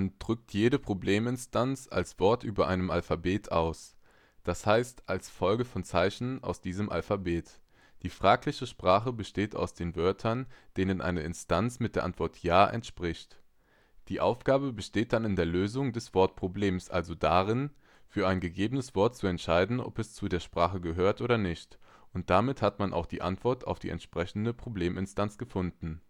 drückt jede Probleminstanz als Wort über einem Alphabet aus, d. h. als Folge von Zeichen aus diesem Alphabet. Die fragliche Sprache besteht aus den Wörtern, denen eine Instanz mit der Antwort „ Ja “entspricht. Die Aufgabe besteht dann in der Lösung des Wortproblems, also darin, für ein gegebenes Wort zu entscheiden, ob es zu der Sprache gehört oder nicht, und damit hat man auch die Antwort auf die entsprechende Probleminstanz gefunden